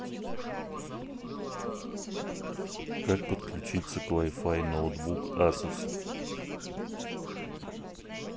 как подключиться к wi fi ноутбук asus